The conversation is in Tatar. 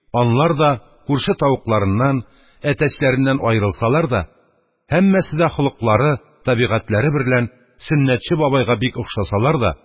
Анлар да күрше тавыкларыннан, әтәчләреннән аерылсалар да, һәммәсе дә холыклары, табигатьләре берлән сөннәтче бабайга бик охшасалар да,